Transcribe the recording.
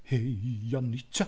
Hei Anita.